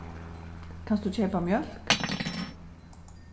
kanst tú keypa mjólk